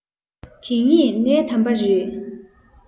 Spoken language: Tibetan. འདི གཉིས གནད དམ པ རེད